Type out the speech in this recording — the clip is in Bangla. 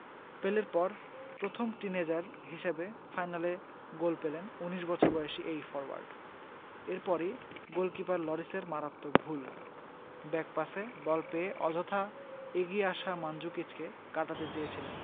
পেলের পর প্রথম টিনএজার হিসেবে ফাইনালে গোল পেলেন ১৯ বছর বয়সী এই ফরোয়ার্ড এরপরই গোলকিপার লরিসের মারাত্মক ভুল ব্যাকপাসে বল পেয়ে অযথা এগিয়ে আসা মানজুকিচকে কাটাতে চেয়েছিলেন